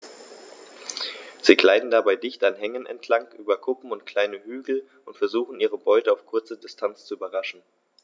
Sie gleiten dabei dicht an Hängen entlang, über Kuppen und kleine Hügel und versuchen ihre Beute auf kurze Distanz zu überraschen.